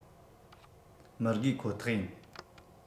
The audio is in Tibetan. མི དགོས ཁོ ཐག ཡིན